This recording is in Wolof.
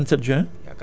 le vingt sept juin